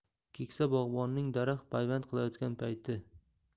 keksa bog'bonning daraxt payvand qilayotgan payti